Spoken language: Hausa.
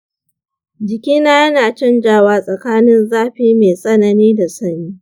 jikina yana canzawa tsakanin zafi mai tsanani da sanyi sosai.